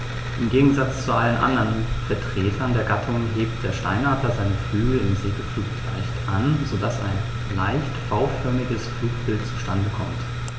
Im Gegensatz zu allen anderen Vertretern der Gattung hebt der Steinadler seine Flügel im Segelflug leicht an, so dass ein leicht V-förmiges Flugbild zustande kommt.